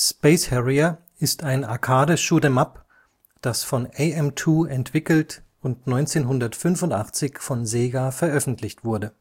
Space Harrier ist ein Arcade-Shoot’ em up, das von AM2 entwickelt und 1985 von Sega veröffentlicht wurde